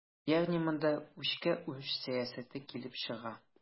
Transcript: Ягъни монда үчкә-үч сәясәте килеп чыга.